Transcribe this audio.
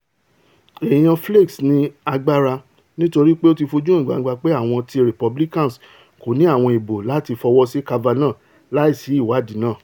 Ẹ̀yàn Flakes ni agbára, nítorípe ó ti fojú hàn gbangba pé àwọn ti Repubicans kòní ní àwọn ìbò láti fọwọ́sí Kavanaugh láìsí ìwáàdí náà.